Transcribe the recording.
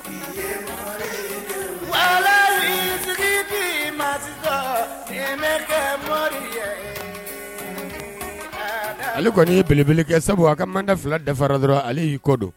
Mɔ ale kɔni y'i beleb kɛ sabu a ka ma fila dafara dɔrɔn ali y'i kɔ don